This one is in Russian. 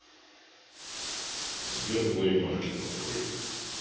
sber play market открой